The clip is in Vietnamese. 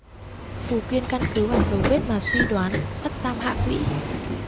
phù kiên căn cứ vào dấu vết mà suy đoán bắt giam hạ quỹ